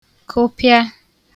kụpịa